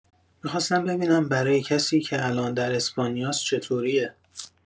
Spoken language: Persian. می‌خواستم ببینم برای کسی که الان در اسپانیاست چطوریه؟